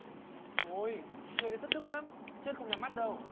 ù ôi nghề đấy thất đức lắm chết không nhắm mắt đâu